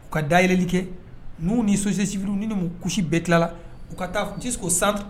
U ka da yɛlɛli kɛ n'u ni sosisuuru ni mun kusi bɛɛ tilala u ka taa ti k' san